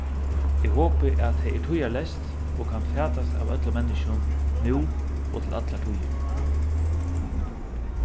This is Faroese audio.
eg hopi at tað er tíðarleyst og kann fatast av øllum menniskjum nú og til allar tíðir